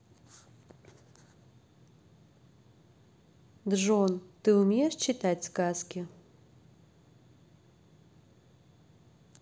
джон ты умеешь читать сказки